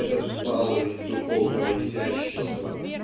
этот баловень духовного изящества